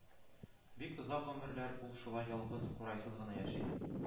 Бик озак гомерләр ул шулай ялгыз, курайсыз гына яши